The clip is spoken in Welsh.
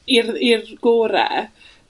i'r i'r gore